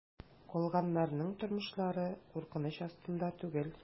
Калганнарның тормышлары куркыныч астында түгел.